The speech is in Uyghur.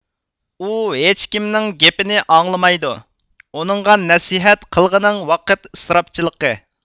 ئۇ ھېچكىمنىڭ گېپىنى ئاڭلىمايدۇ ئۇنىڭغا نەسىھەت قىلغىنىڭ ۋاقىت ئىسراپچىلىقى